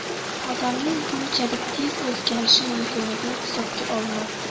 odamning bunchalik tez o'zgarishi mumkinligini hisobga olmabdi